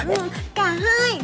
cả hai